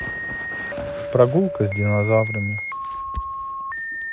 прогулка с динозаврами